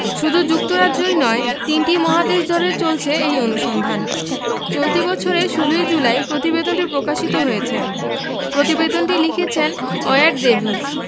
শুধু যুক্তরাজ্যই নয় তিনটি মহাদেশজুড়ে চলেছে এই অনুসন্ধান চলতি বছরের ১৬ই জুলাই প্রতিবেদনটি প্রকাশিত হয়েছে প্রতিবেদনটি লিখেছেন ওয়্যার ডেভিস